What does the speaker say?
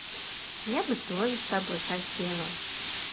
я бы тоже с тобой хотела